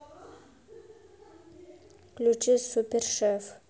включи супершеф